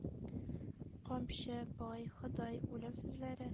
“камчы“, “бай“, “ходай“, “үлем“ сүзләре,